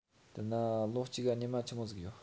དེས ན ལོ གཅིག ག ཉི མ ཆི མོ ཟིག ཡོད